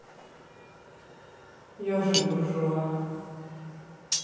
ежик буржуа